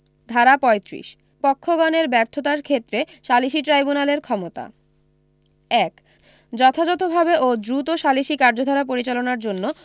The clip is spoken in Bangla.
ধারা ৩৫ পক্ষগণের ব্যর্থতার ক্ষেত্রে সালিসী ট্রাইব্যুনালের ক্ষমতা ১ যথাযথভাবে ও দ্রুত সালিসী কার্যধারা পরিচালনার জন্য